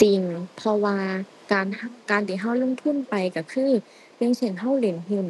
จริง เพราะว่าการ การที่เราลงทุนไปเราคือ อย่างเช่น เราเล่นหุ้น